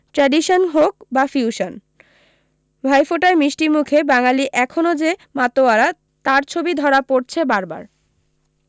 tradition হোক বা fusion ভাইফোঁটায় মিষ্টিমুখে বাঙালী এখনও যে মাতোয়ারা তার ছবি ধরা পড়ছে বারবার